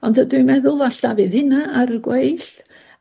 Ond dy- dwi'n meddwl falle fydd hynna ar y gweill.